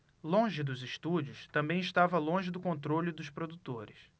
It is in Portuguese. longe dos estúdios também estava longe do controle dos produtores